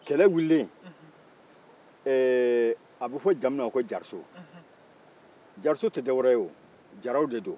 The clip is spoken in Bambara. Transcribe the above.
kɛlɛ wililen ee a bɛ fɔ jamu min ma ko jariso jariso tɛ dɔwɛrɛ ye jaraw de don